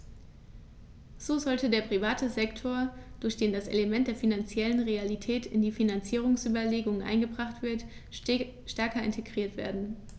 So sollte der private Sektor, durch den das Element der finanziellen Realität in die Finanzierungsüberlegungen eingebracht wird, stärker integriert werden.